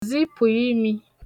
zipù imī